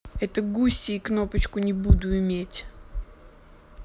это gucci копочку не буду иметь